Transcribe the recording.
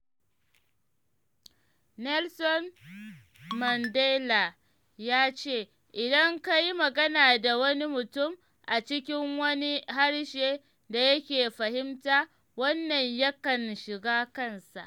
Nelson Mandela ya ce: “Idan ka yi magana da wani mutum a cikin wani harshe da yake fahimta, wannan yakan shiga kansa.